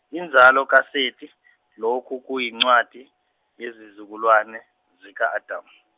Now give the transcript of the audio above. inzalo kaSeti, lokhu kuyincwadi, yezizukulwane, zika Adamu.